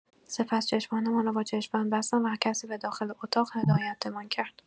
سپس چشمانمان را با چشم‌بند بستند و کسی به داخل اتاق هدایتمان کرد.